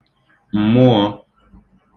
mmụọ̄